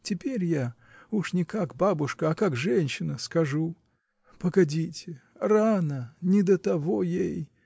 — Теперь я — уж не как бабушка, а как женщина, скажу: погодите, рано, не до того ей!